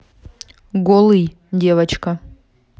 голый девочка